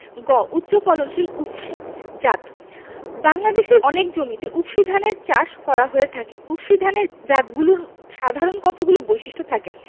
গ উচ্চফলনশীল উফশী জাতঃ বাংলাদেশের অনেক জমিতে উফশী ধানের চাষ করা হয়ে থাকে উফশী ধানের জাতগুলোর সাধারণ কতগুলো বৈশিষ্ট্য থাকে